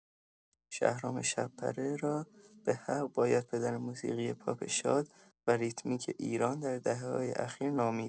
شهرام شب‌پره را به‌حق باید پدر موسیقی پاپ شاد و ریتمیک ایران در دهه‌های اخیر نامید.